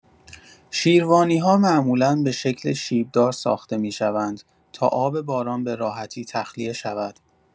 شیروانی‌ها معمولا به شکل شیب‌دار ساخته می‌شوند تا آب باران به‌راحتی تخلیه شود.